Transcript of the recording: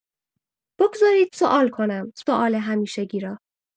بگذارید سوال کنم سوال همیشگی را.